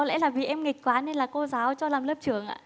có lẽ là vì em nghịch quá nên là cô giáo cho làm lớp trưởng ạ